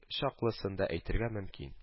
Чаклысын да әйтергә мөмкин: